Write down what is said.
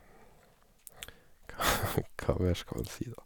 Hva mer skal man si, da?